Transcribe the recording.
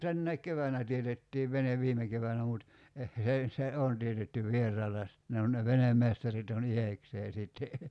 tänäkin keväänä teetettiin vene viime keväänä mutta - se ei se on teetetty vieraalla ja sitten ne on ne venemestarit on itsekseen sitten